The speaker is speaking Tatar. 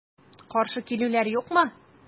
Каршы килүләр юкмы?